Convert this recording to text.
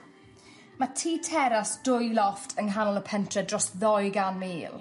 Ma' tŷ teras dwy lofft yng nghanol y pentre dros ddou gan mil.